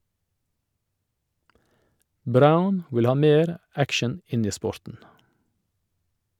Braun vil ha mer action inn i sporten.